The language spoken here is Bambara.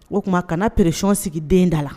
O tuma kana pression sigi den da la.